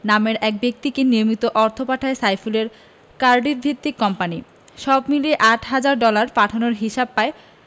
নামের এক ব্যক্তিকে নিয়মিত অর্থ পাঠায় সাইফুলের কার্ডিফভিত্তিক কোম্পানি সব মিলিয়ে আট হাজার ডলার পাঠানোর হিসাব পায়